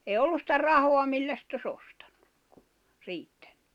ei ollut sitä rahaa millä se olisi ostanut riittänyt